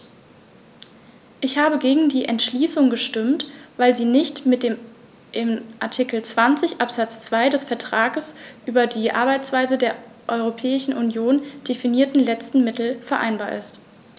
Ich habe gegen die Entschließung gestimmt, weil sie nicht mit dem in Artikel 20 Absatz 2 des Vertrags über die Arbeitsweise der Europäischen Union definierten letzten Mittel vereinbar ist.